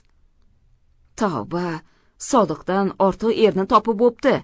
tavba sodiqdan ortiq erni topib bo'pti